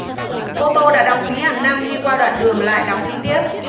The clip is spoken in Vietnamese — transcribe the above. ô tô đã đóng phí hàng năm đi qua đoạn đường lại đóng phí tiếp